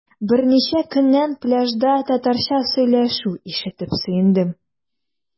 Берничә көннән пляжда татарча сөйләшү ишетеп сөендем.